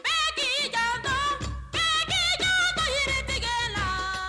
' ki ja ba kɛ bɛ' tiga la